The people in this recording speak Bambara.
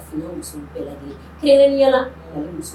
Hla